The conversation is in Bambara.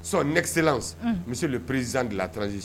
Sɔ nɛgɛsi misi peresiz latransi